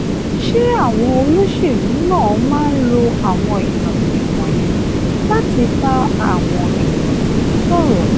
Ṣé àwọn olóṣèlú náà máa ń lo àwọn ìkànnì wọ̀nyẹn láti bá àwọn èèyàn ìlú sọ̀rọ̀?